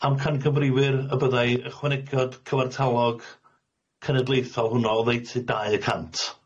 Amcangyfriwyr y byddai ychwanegiad cyfartalog cenedlaethol hwnnw oddeutu dau y cant.